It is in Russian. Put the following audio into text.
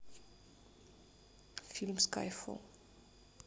фильм скайфолл